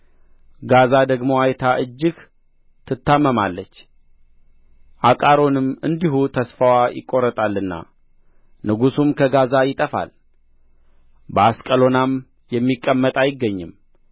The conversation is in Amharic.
ጋዛ ደግሞ አይታ እጅግ ትታመማለች አቃሮንም እንዲሁ ተስፋዋ ይቈረጣልና ንጉሡም ከጋዛ ይጠፋል በአስቀሎናም የሚቀመጥ አይገኝም